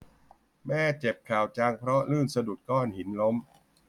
แม่เจ็บเข่าจังเพราะลื่นสะดุดก้อนหินล้ม